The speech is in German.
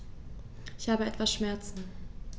Ich habe etwas Schmerzen.